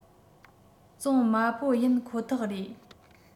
བཙོང དམའ པོ ཡིན ཁོ ཐག རེད